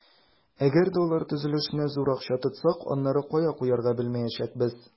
Әгәр дә алар төзелешенә зур акча тотсак, аннары кая куярга белмәячәкбез.